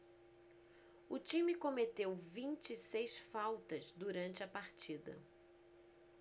o time cometeu vinte e seis faltas durante a partida